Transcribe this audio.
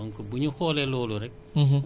donc bu ñu xoolee loolu rekk